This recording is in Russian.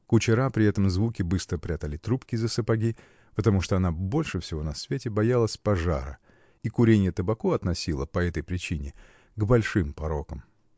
Кучера при этом звуке быстро прятали трубки за сапоги, потому что она больше всего на свете боялась пожара и куренье табаку относила — по этой причине — к большим порокам.